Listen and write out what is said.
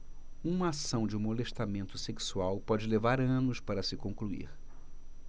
uma ação de molestamento sexual pode levar anos para se concluir